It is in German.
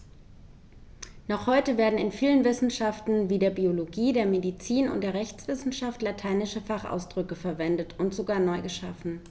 Noch heute werden in vielen Wissenschaften wie der Biologie, der Medizin und der Rechtswissenschaft lateinische Fachausdrücke verwendet und sogar neu geschaffen.